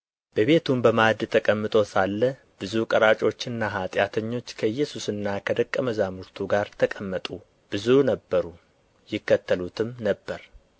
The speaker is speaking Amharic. በቤቱም በማዕድ ተቀምጦ ሳለ ብዙ ቀራጮችና ኃጢአተኞች ከኢየሱስና ከደቀ መዛሙርቱ ጋር ተቀመጡ ብዙ ነበሩ ይከተሉትም ነበር